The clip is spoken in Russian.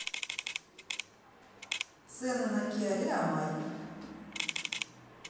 цены на киарио май